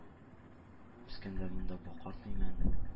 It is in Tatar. Үскән монда бу карт имән.